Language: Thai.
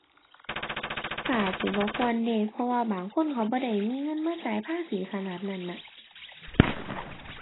ก็อาจสิบ่ควรเดะ เพราะว่าบางคนเขาบ่ได้มีเงินมาจ่ายภาษีขนาดนั้นอะ